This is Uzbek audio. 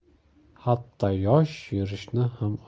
hatto yosh yurishni ham